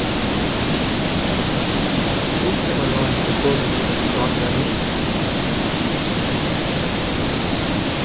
búskaparráðið er komið við eini frágreiðing